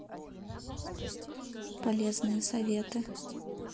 полезные советы